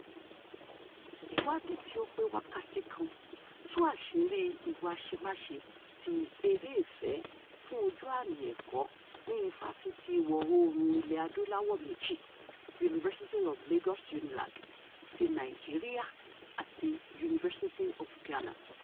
Ìwádìí tí ó pé wákàtí kan tú àṣìírí ìwà àṣemáṣe ti “eré ìfẹ́ fún ojú-àmì ẹ̀kọ́” ní ifásitì Ìwọ̀-oòrùn Ilẹ̀ Adúláwọ̀ méjì: University of Lagos (UNILAG) ti Nàìjíríà àti University of Ghana.